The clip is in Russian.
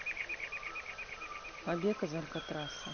побег из алькатраса